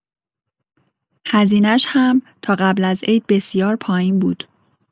هزینه‌اش هم تا قبل از عید بسیار پایین بود